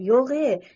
yo'g' e